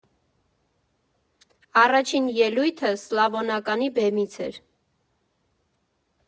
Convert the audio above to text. Առաջին ելույթս Սլավոնականի բեմից էր։